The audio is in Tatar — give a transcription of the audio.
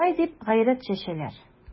Алай дип гайрәт чәчәләр...